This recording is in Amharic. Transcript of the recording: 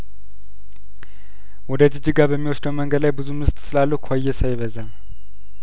ወደ ጂጂጋ በሚወስደው መንገድ ላይ ብዙ ምስጥ ስላለኩ ይሳ ይበዛል